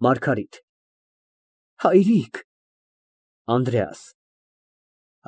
ՄԱՐԳԱՐԻՏ ֊ Հայրիկ… ԱՆԴՐԵԱՍ ֊